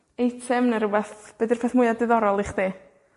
eitem ne' rwbath? Be' 'di'r peth mwyaf diddorol i chdi?